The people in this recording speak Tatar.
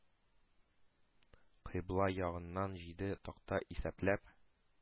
Кыйбла ягыннан җиде такта исәпләп,